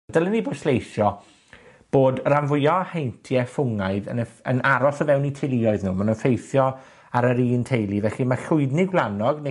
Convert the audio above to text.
Dylwn i bwysleisio, bod y ran fwya o heintie ffwngaidd yn yf- yn aros o fewn 'u teuluoedd nw, ma' nw'n ffeithio ar yr un teulu. Felly, ma' llwydni gwlanog ne'